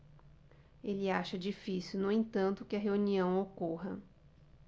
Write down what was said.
ele acha difícil no entanto que a reunião ocorra